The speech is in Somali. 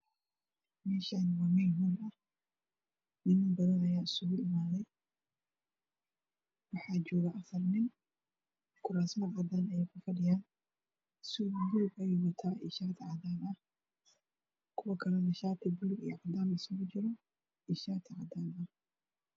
Meeshaani waa meel hool ah niman badan ayaa iskugu imaaday, waxaa joogo afar nin kuraasman cadaan ah ayey ku fadhiyaan, suud madow ah ayey wataan iyo shaati cadaan ah, kuwa kalana shaati baluug iyo cadaan is kugu jira.